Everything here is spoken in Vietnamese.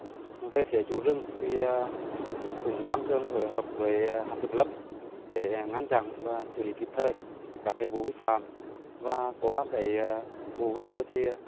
về phía chủ rừng thì cũng tăng cường phối hợp với hạt kiểm lâm để án ngăn chặn và xử lý kịp thời các cái vụ vi phạm và qua cái vụ vừa rồi thì